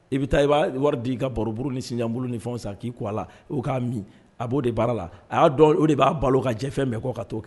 I bɛ taa i b'a wari di i ka barouru ni sin bolo ni fɛn san k'i' a la ka'a min a b'o de baara la a y'a dɔn o de b'a balo ka jɛ fɛn bɛɛ kɔ ka too kɛ